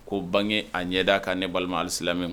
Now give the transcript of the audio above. Ko bange a ɲɛda kan ne balima halisilamɛw .